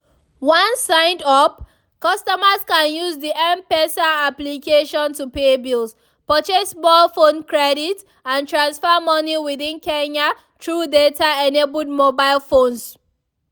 Once signed-up, customers can use the M-Pesa application to pay bills, purchase more phone credits and transfer money within Kenya through data-enabled mobile phones.